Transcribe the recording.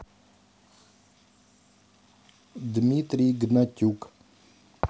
дмитрий гнатюк